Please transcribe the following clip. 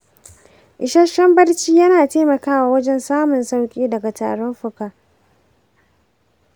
isasshen barci yana taimakawa wajen samun sauƙi daga tarin fuka.